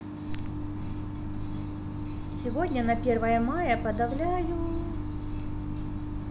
сегодня на первое мая подавляю